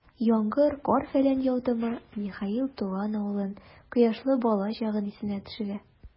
Яңгыр, кар-фәлән яудымы, Михаил туган авылын, кояшлы балачагын исенә төшерә.